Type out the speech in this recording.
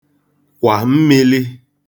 kwà mmīlī